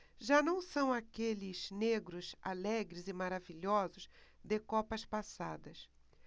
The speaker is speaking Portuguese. já não são aqueles negros alegres e maravilhosos de copas passadas